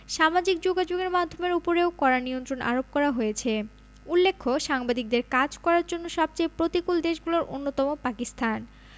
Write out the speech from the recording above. সামাজিক যোগাযোগের মাধ্যমের উপরেও কড়া নিয়ন্ত্রণ আরোপ করা হয়েছে উল্লেখ্য সাংবাদিকদের কাজ করার জন্য সবচেয়ে প্রতিকূল দেশগুলোর অন্যতম পাকিস্তান